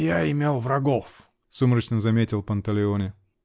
-- Я имел врагов, -- сумрачно заметил Панталеоне.